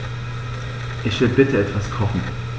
Ich will bitte etwas kochen.